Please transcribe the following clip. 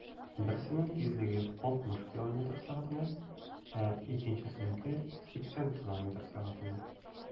Берсенең тизлеге 60 км/сәг, ә икенчесенеке - 80 км/сәг.